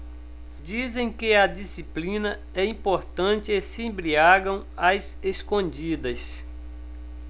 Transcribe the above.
dizem que a disciplina é importante e se embriagam às escondidas